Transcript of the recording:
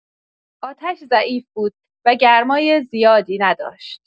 آتش ضعیف بود و گرمای زیادی نداشت.